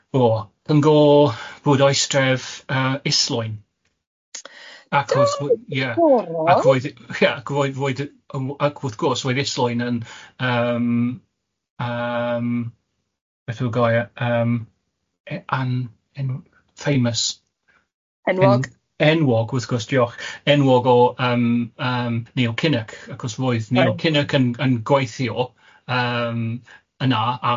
o, yn go fod o eistref yy Islwyn, ac wrth gwrs... O diddorol. ...ia ac roedd ia ac roedd roedd ac wrth gwrs roedd Islwyn yn yym yym beth yw'r gair yym an- enw- famous... Enwog. ...enwog wrth gwrs diolch, enwog o yym yym Neil Kinnock ac wrth gwrs roedd Neil Kinnock yn yn gwaithio yym yna ar un